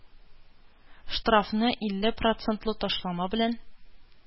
Штрафны илле процентлы ташлама белән,